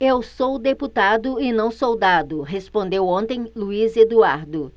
eu sou deputado e não soldado respondeu ontem luís eduardo